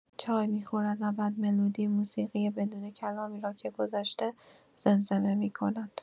چای می‌خورد و بعد ملودی موسیقی بدون کلامی را که گذاشته، زمزمه می‌کند.